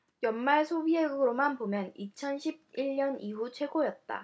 연말 소비액으로만 보면 이천 십 일 년 이후 최고였다